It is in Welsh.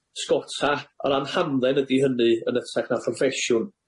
'sgota o ran hamdden ydi hynny yn hytrach na phroffesiwn.